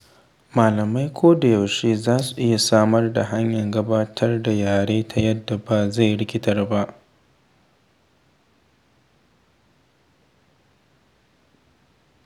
Malamai ko da yaushe za su iya samar da hanya gabatar da yare ta yadda ba zai rikitar ba.